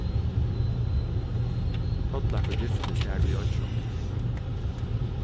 tollakur giftist har í oyggjunum